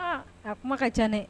A, a kuma ka can dɛ